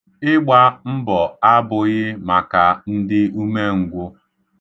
Ịgba mbọ abụghị maka ndị umengwụ.